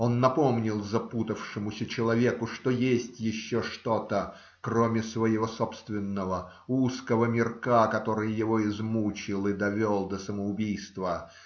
он напомнил запутавшемуся человеку, что есть еще что-то, кроме своего собственного узкого мирка, который его измучил и довел до самоубийства.